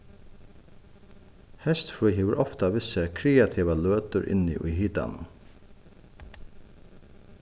heystfrí hevur ofta við sær kreativar løtur inni í hitanum